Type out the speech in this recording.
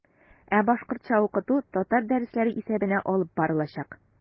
Ә башкортча укыту татар дәресләре исәбенә алып барылачак.